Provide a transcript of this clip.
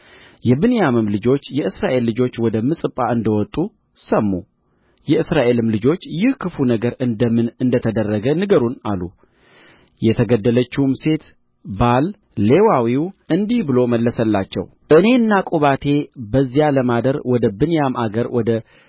የብንያምም ልጆች የእስራኤል ልጆች ወደ ምጽጳ እንደ ወጡ ሰሙ የእስራኤልም ልጆች ይህ ክፉ ነገር እንደምን እንደ ተደረገ ንገሩን አሉ የተገደለችውም ሴት ባል ሌዋዊው እንዲህ ብሎ መለሰላቸው እኔና ቁባቴ በዚያ ለማደር ወደ ብንያም አገር ወደ